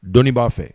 Dɔnni b'a fɛ